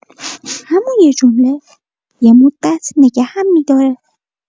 همون یه جمله، یه مدت نگه‌م می‌داره.